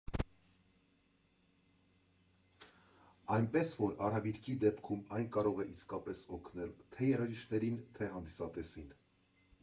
Այնպես որ արհավիրքի դեպքում այն կարող է իսկապես օգնել՝ թե՛ երաժիշտներին, թե՛ հանդիսատեսին։